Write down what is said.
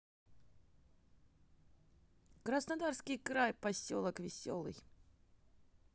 краснодарский край поселок веселый